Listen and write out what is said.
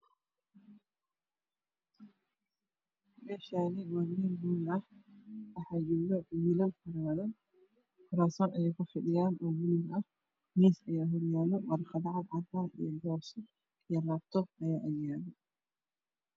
Meshani waa mel hool ah waxa jooga wll farabadan kursaman eey kufadhiyan oo bolug ah miis aya horyalo warqado cadcadan ah io boorso io labto ayaa agyalo